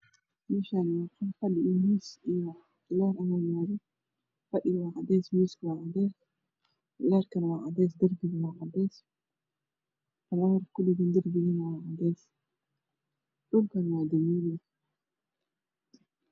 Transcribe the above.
Meshaani waa qol fadhi iyo miis iyo leer ayaayalo fadhiku waa cadees miisku cadees miisakun waa cadees lerkun waa cadees darbikun waa cadees falawarak darbig ku dhagan waa cadees dhulkun waa dameeri